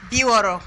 60